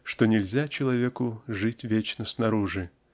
что нельзя человеку жить вечно снаружи